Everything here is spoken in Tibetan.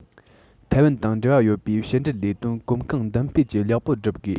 ཐའེ ཝན དང འབྲེལ བ ཡོད པའི ཕྱི འབྲེལ ལས དོན གོམ གང མདུན སྤོས ཀྱིས ལེགས པོར བསྒྲུབ དགོས